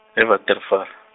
e- Waterval.